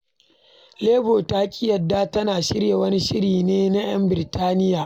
Labour ta ƙi yarda tana shirya wani shiri ne ga 'yan Birtaniyya su yi aiki na makon kwana huɗu amma a biya su kwanaki biyar